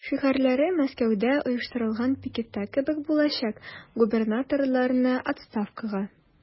Шигарьләре Мәскәүдә оештырылган пикетта кебек булачак: "Губернаторны– отставкага!"